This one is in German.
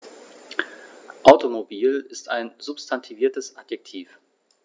Automobil ist ein substantiviertes Adjektiv.